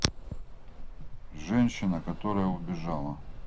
женщина которая убежала